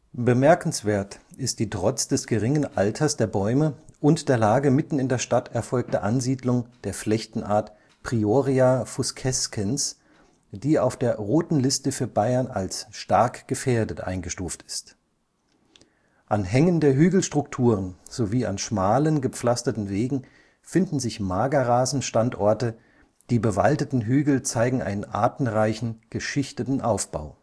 Bemerkenswert ist die trotz des geringen Alters der Bäume und der Lage mitten in der Stadt erfolgte Ansiedlung der Flechtenart Bryoria fuscescens, die auf der Roten Liste für Bayern als „ stark gefährdet “eingestuft ist. An Hängen der Hügelstrukturen sowie an schmalen gepflasterten Wegen finden sich Magerrasen-Standorte, die bewaldeten Hügel zeigen einen artenreichen, geschichteten Aufbau